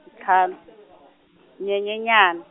ntlhanu, Nyenyenyane.